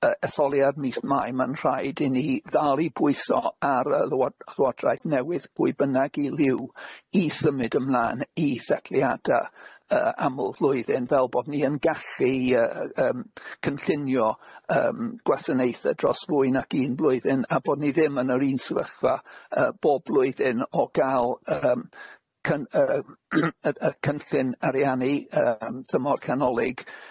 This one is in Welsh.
y etholiad mis Mai ma'n rhaid i ni ddal i bwyso ar y lywo- llywodraeth newydd pwy bynnag i liw i symud ymlan i setliada y- aml flwyddyn fel bod ni yn gallu y- yym cynllunio yym gwasanaethe dros fwy nag un blwyddyn a bod ni ddim yn yr un sefyllfa y- bob blwyddyn o gal yym cyn- yyy cynllun ariannu yym tymor canolig.